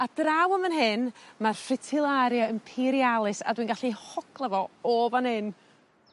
A draw yn fan hyn ma'r Fritirallia Imperialis a dwi'n gallu hogla fo o fan 'yn.